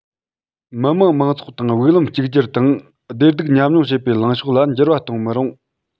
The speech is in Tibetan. མི དམངས མང ཚོགས དང དབུགས ལམ གཅིག གྱུར དང བདེ སྡུག མཉམ མྱོང བྱེད པའི ལངས ཕྱོགས ལ འགྱུར བ གཏོང མི རུང